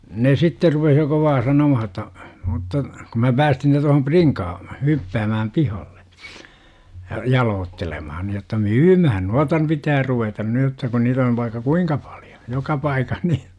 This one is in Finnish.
ne sitten rupesi jo kovaa sanomaan jotta mutta kun minä päästin ne tuohon prinkaan hyppäämään pihalle ja jaloittelemaan jotta myymään noita - pitää ruveta nyt jotta kun niitä on vaikka kuinka paljon joka paikassa niin